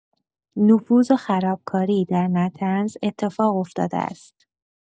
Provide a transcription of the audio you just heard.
نفوذ و خرابکاری در نطنز اتفاق افتاده است